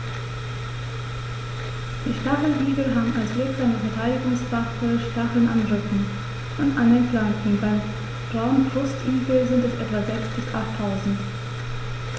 Die Stacheligel haben als wirksame Verteidigungswaffe Stacheln am Rücken und an den Flanken (beim Braunbrustigel sind es etwa sechs- bis achttausend).